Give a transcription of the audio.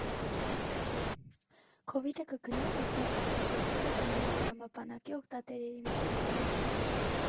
Քովիդը կգնա, բայց նոր հարմար գործիքը կմնա դրամապանակի օգտատերերի մշտական ընկերը։